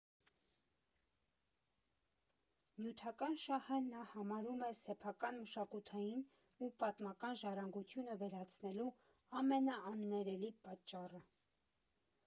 Նյութական շահը նա համարում է սեփական մշակութային ու պատմական ժառանգությունը վերացնելու ամենաաններելի պատճառը։